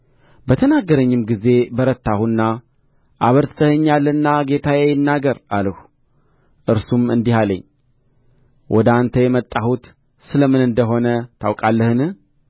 በተናገረኝም ጊዜ በረታሁና አበርትተኸኛልና ጌታዬ ይናገር አልሁ እርሱም እንዲህ አለኝ ወደ አንተ የመጣሁት ስለ ምን እንደ ሆነ ታውቃለህን